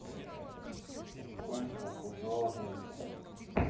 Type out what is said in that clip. искусство художники